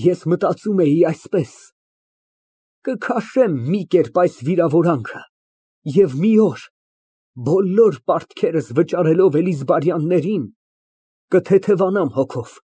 Ես մտածում էի այսպես. «Կքաշեմ մի կերպ այս վիրավորանքը և մի օր, բոլոր պարտքերս վճարելով Էլիզբարյաններին, կթեթևանամ հոգով»։